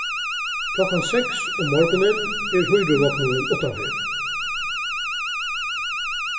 klokkan seks um morgunin er hýruvognurin uttanfyri